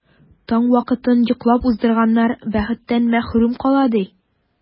Таң вакытын йоклап уздырганнар бәхеттән мәхрүм кала, ди.